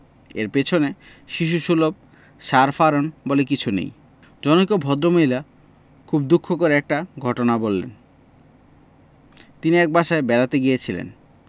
এর পেছনে শিশুসুলভ সার ফারন বলে কিছু নেই জনৈক ভদ্রমহিলা খুব দুঃখ করে একটা ঘটনা বললেন তিনি এক বাসায় বেড়াতে গিয়েছেন